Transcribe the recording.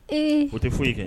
O tɛ foyi ye kɛ